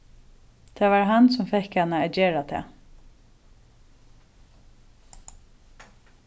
tað var hann sum fekk hana at gera tað